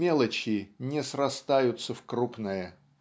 Мелочи не срастаются в крупное